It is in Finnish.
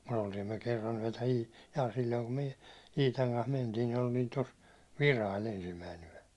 mutta oltiin me kerran yötä - ja silloin kun me Iitan kanssa mentiin niin oltiin tuossa Virailla ensimmäinen yö